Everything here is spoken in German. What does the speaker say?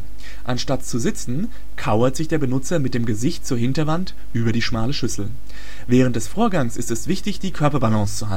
kauert sich der Benutzer mit dem Gesicht zur Hinterwand über die schmale Schüssel. Während des Vorgangs ist es wichtig, die Körperbalance